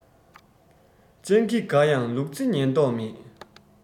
སྤྱང ཀི དགའ ཡང ལུག རྫི ཉན མདོག མེད